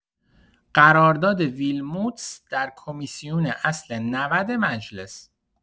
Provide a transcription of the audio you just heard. قرارداد ویلموتس در کمیسیون اصل ۹۰ مجلس